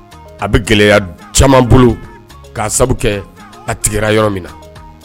A bɛ gɛlɛya caman bolo ka kɛ a tigɛra yɔrɔ min na